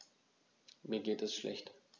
Mir geht es schlecht.